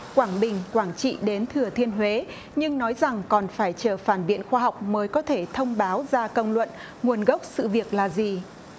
quảng bình quảng trị đến thừa thiên huế nhưng nói rằng còn phải chờ phản biện khoa học mới có thể thông báo ra công luận nguồn gốc sự việc là gì